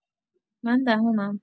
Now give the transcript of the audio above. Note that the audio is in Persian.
من دهمم